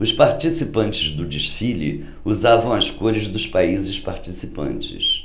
os participantes do desfile usavam as cores dos países participantes